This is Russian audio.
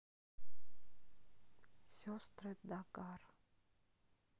сестры дагар